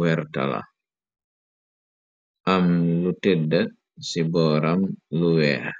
wertala am lu tedda ci booram lu weex.